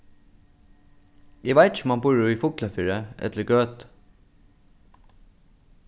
eg veit ikki um hann býr í fuglafirði ella í gøtu